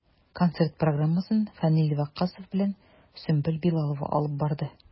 Концерт программасын Фәнил Ваккасов белән Сөмбел Билалова алып барды.